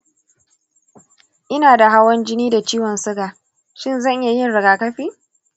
ina da hawan jini da ciwon suga; shin zan iya yin rigakafi?